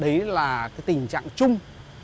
đấy là cái tình trạng chung